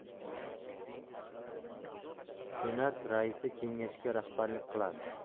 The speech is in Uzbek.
senat raisi kengashga rahbarlik qiladi